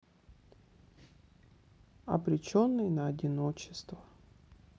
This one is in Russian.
обреченный на одиночество